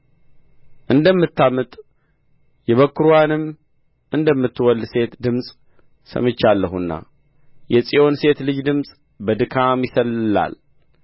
እንደምታምጥ የበኩርዋንም እንደምትወልድ ሴት ድምፅ ሰምቻለሁና የጽዮን ሴት ልጅ ድምፅ በድካም ይሰልላል